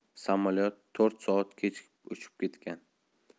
samolyot to'rt soat kechikib uchib ketgan